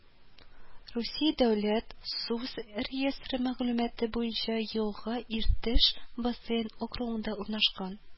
Русия дәүләт су реестры мәгълүматы буенча елга Иртеш бассейн округында урнашкан